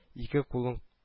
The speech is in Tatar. Ике кулын